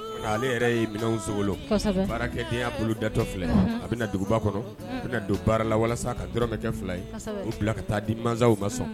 Nka ale yɛrɛ ye minɛnso baarakɛ kɛ' kulu datɔ filɛ a bɛna na duguba kɔnɔ bɛna don baara la walasa ka dɔrɔnmɛkɛ fila ye u bila ka taa di mansasaw ka sɔn